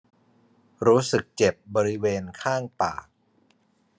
รู้สึกเจ็บบริเวณข้างปาก